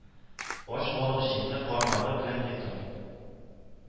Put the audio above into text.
Ач балык җимне кармагы белән йотар